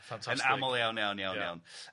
Ffantastig. Yn aml iawn, iawn, iawn, iawn.